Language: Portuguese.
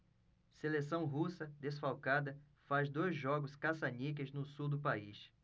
seleção russa desfalcada faz dois jogos caça-níqueis no sul do país